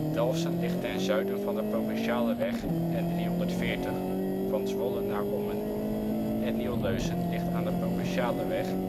Dalfsen ligt ten zuiden van de provinciale weg N340 (Zwolle-Ommen) en Nieuwleusen ligt aan de provinciale weg